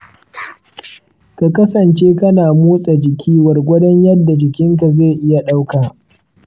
ka kasance kana motsa jiki gwargwadon yadda jikinka zai iya ɗauka.